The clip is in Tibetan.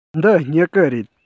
འདི སྨྱུ གུ རེད